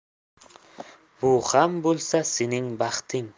bu ham bo'lsa sening baxting